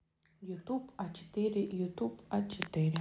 ютуб а четыре ютуб а четыре